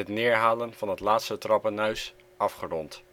neerhalen van het laatste trappenhuis afgerond